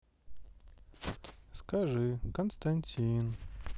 скажи константин